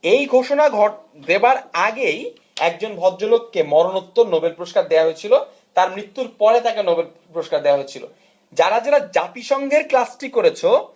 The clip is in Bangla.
এই ঘোষণা দেবার আগেই একজন ভদ্রলোকের মরণোত্তর নোবেল পুরস্কার দেয়া হয়েছিল তার মৃত্যুর পরে তাকে নোবেল পুরস্কার দেয়া হয়েছিল যারা যারা জাতিসংঘের ক্লাস টি করেছো